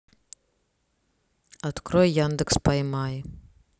открой яндекс поймай